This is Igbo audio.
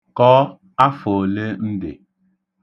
Kọọ afọ ole m dị.